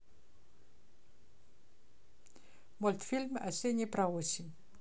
мультфильм осенний про осень